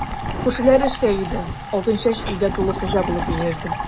Күршеләр эштә иде, Алтынчәч өйдә тулы хуҗа булып йөрде.